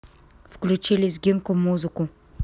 включи лезгинку музыку